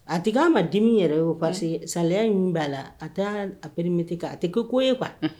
A te k'a ma dimi yɛrɛ ye o parce que saliya in min b'a la a t'aa d a permettre kaa a te kɛ ko ye quoi